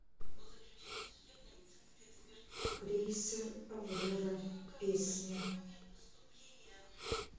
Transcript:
крейсер аврора песня